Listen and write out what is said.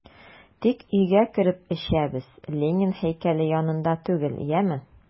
Тик өйгә кереп эчәбез, Ленин һәйкәле янында түгел, яме!